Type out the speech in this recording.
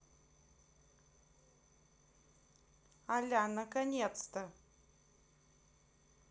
аля наконец то